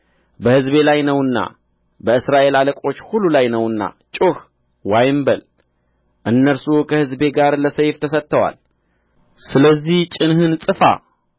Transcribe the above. በሕዝቤ ላይ ነውና በእስራኤል አለቆች ሁሉ ላይ ነውና ጩኽ ዋይም በል እነርሱ ከሕዝቤ ጋር ለሰይፍ ተሰጥተዋል ስለዚህ ጭንህን ጽፋ